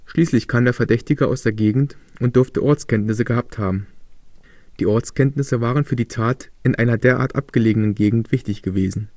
Schließlich kam der Verdächtige aus der Gegend und dürfte Ortskenntnisse gehabt haben. Die Ortskenntnisse waren für die Tat in einer derart abgelegenen Gegend wichtig gewesen